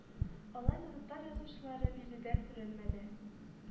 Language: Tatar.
Алай да татар язучылары биредә күренмәде